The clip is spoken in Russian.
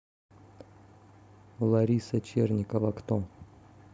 лариса черникова кто